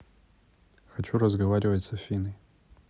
хочу разговаривать с афиной